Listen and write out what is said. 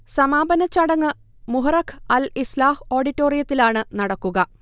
സമാപനച്ചടങ്ങ് Muharraq Al Islah ഓഡിറ്റോറിയത്തിലാണ് നടക്കുക